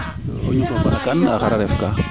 o ñuxro mbalakaan nof xara ref kaa